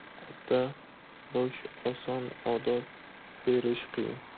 ota bo'hsh oson odob berish qiyin